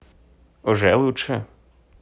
уже лучше